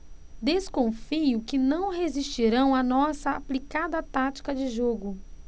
desconfio que não resistirão à nossa aplicada tática de jogo